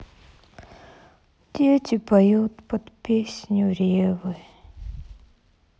дети поют под песню ревы